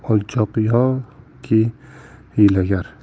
xudbin yo olchoq yoki hiylagar